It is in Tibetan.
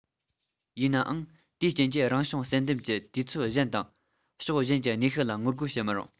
ཡིན ནའང དེའི རྐྱེན གྱིས རང བྱུང བསལ འདེམས ཀྱི དུས ཚོད གཞན དང ཕྱོགས གཞན གྱི ནུས ཤུགས ལ ངོ རྒོལ བྱེད མི རུང